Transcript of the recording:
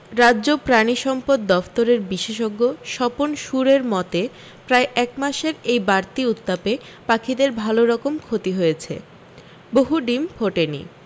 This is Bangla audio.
রাজ্য প্রাণিসম্পদ দফতরের বিশেষজ্ঞ স্বপন শূরের মতে প্রায় এক মাসের এই বাড়তি উত্তাপে পাখিদের ভাল রকম ক্ষতি হয়েছে বহু ডিম ফোটেনি